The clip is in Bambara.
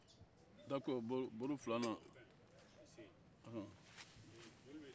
d'accord baro filanan ɔhɔn